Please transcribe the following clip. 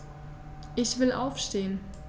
Ich will aufstehen.